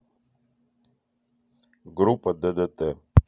группа ддт